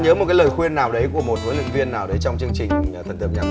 nhớ một cái lời khuyên nào đấy của một huấn luyện viên nào đấy trong chương trình thần tượng